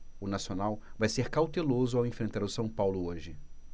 o nacional vai ser cauteloso ao enfrentar o são paulo hoje